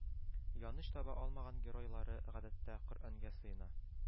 Яныч таба алмаган геройлары, гадәттә, коръәнгә сыена